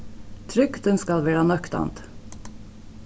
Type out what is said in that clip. trygdin skal vera nøktandi